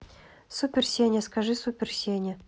супер сеня скажи супер сеня